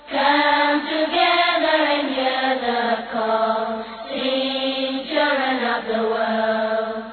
Santigɛtigɛ den labankɔrɔ kelen yo ka laban